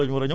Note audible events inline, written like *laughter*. *hesitation* *hesitation*